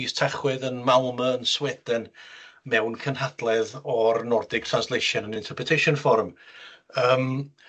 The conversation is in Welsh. mis Tachwedd yn Malmö yn Sweden mewn cynhadledd o'r Nordic Translation and Interpretation forum yym